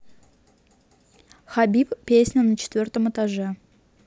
хабиб песня на четвертом этаже